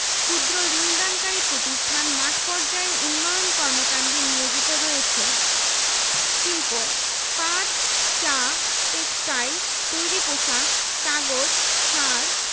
ক্ষুদ্র্ ঋণ দানকারী প্রতিষ্ঠান মাঠপর্যায়ে উন্নয়ন কর্মকান্ডে নিয়োজিত রয়েছে শিল্পঃ পাট চা টেক্সটাইল তৈরি পোশাক কাগজ সার